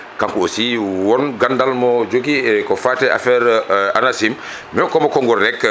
kanko aussi won gandal mo o jogui ko fate eko fate affaire ANACIM mi hokkamo konngol rek